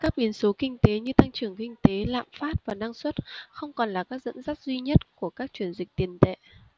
các biến số kinh tế như tăng trưởng kinh tế lạm phát và năng suất không còn là các dẫn dắt duy nhất của các chuyển dịch tiền tệ